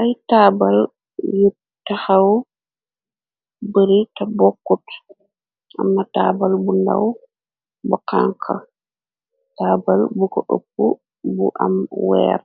ay taabal yu texaw bari te bokkut am na taabal bu ndaw ba xanka taabal bu ko ëpp bu am weer